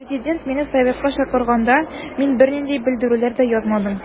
Президент мине советка чакырганда мин бернинди белдерүләр дә язмадым.